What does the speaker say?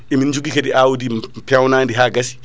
emin jogui kaadi awdi pewnadi ha gassi